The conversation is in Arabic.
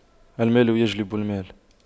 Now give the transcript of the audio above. المال يجلب المال